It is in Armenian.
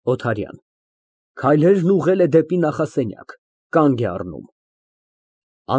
ՕԹԱՐՅԱՆ ֊ (Քայլերն ուղղելով դեպի նախասենյակ, կանգ է առնում)։